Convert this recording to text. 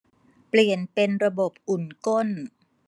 เปลี่ยนเป็นระบบอุ่นก้น